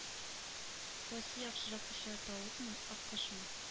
Кайсы яхшырак оча тавыкмы аккошмы